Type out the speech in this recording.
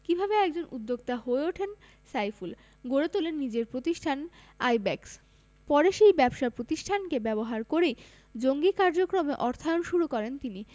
কীভাবে একজন উদ্যোক্তা হয়ে ওঠেন সাইফুল গড়ে তোলেন নিজের প্রতিষ্ঠান আইব্যাকস পরে সেই ব্যবসা প্রতিষ্ঠানকে ব্যবহার করেই জঙ্গি কার্যক্রমে অর্থায়ন শুরু করেন তিনি